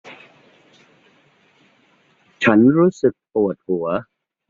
ฉันรู้สึกปวดหัว